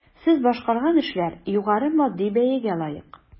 Сез башкарган эшләр югары матди бәягә лаек.